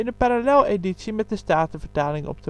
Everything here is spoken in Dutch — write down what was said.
paralleleditie met de Statenvertaling op